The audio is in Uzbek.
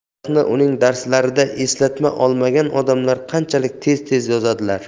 tarixni uning darslarida eslatma olmagan odamlar qanchalik tez tez yozadilar